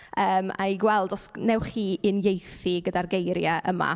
Yym, a i gweld os wnewch chi uniaethu gyda'r geiriau yma.